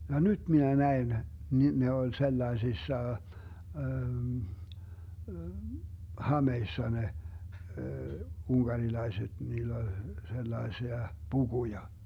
ja nyt minä näin niin ne oli sellaisissa hameissa ne unkarilaiset niillä oli sellaisia pukuja